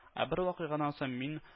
Ә бер вакыйгадан соң, мин